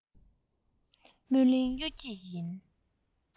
མོན གླིང གཡུལ འགྱེད ཡིན